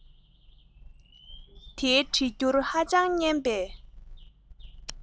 དེའི གྲེ འགྱུར ཧ ཅང སྙན པས